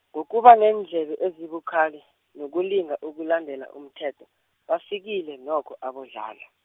ngokuba neendlebe ezibukhali, nokulinga ukulandela umthetho, bafikile nokho aboDladla.